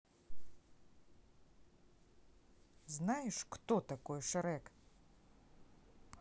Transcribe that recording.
знаешь кто такой шрек